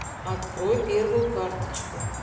открой первую карточку